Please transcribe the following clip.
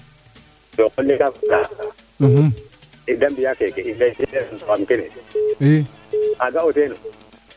to o qol le de mbiya kekee